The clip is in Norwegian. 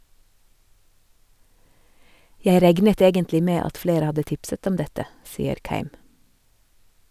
Jeg regnet egentlig med at flere hadde tipset om dette , sier Keim.